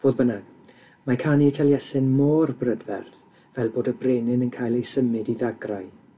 fodd bynnag mae canu Taliesin mor brydferth fel bod y brenin yn cael ei symud i ddagrau